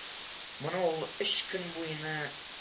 Моны ул өч көн буена я